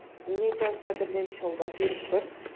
Мин әйтәм, кадерлем, чалбар биреп тор.